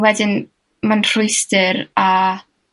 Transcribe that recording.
...wedyn ma'n rhwystyr a